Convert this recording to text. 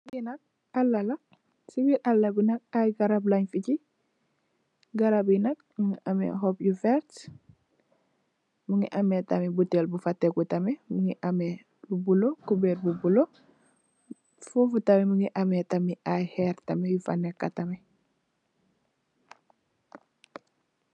Fi nak aala la si birr aala bi nak ay garab len fi gii aala bi nak mongi ame xoop yu verta mogi ame botale bu fa tegu tamit mongi ame lu bulu coberr bu bulu fofu tamit mongi ame ay xerr yu fa tegu tamit.